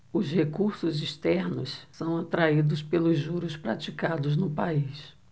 os recursos externos são atraídos pelos juros praticados no país